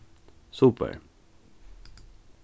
super